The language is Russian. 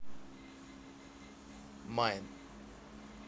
майн